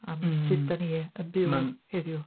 Am sut dan ni yn byw heddiw?